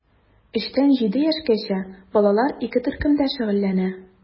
3 тән 7 яшькәчә балалар ике төркемдә шөгыльләнә.